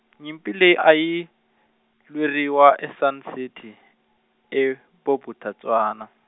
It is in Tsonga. nyimpi leyi a yi, lweriwa e Sun City, e Bophuthatswana.